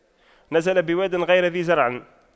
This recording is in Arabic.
نزل بواد غير ذي زرع